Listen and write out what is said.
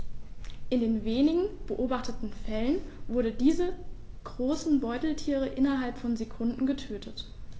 In den wenigen beobachteten Fällen wurden diese großen Beutetiere innerhalb von Sekunden getötet.